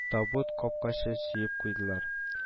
Табут капкачы сөяп куйдылар